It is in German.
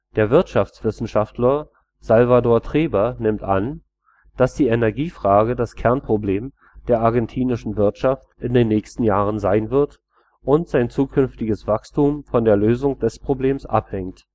Der Wirtschaftswissenschaftler Salvador Treber nimmt an, dass die Energiefrage das Kernproblem der argentinischen Wirtschaft in den nächsten Jahren sein wird und sein zukünftiges Wachstum von der Lösung des Problems abhängt